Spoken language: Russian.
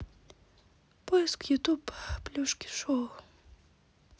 поиск ютуб плюшки шоу